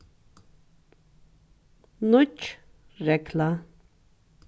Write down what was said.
nýggj regla